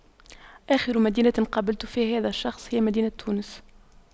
آخر مدينة قابلت فيها هذا الشخص هي مدينة تونس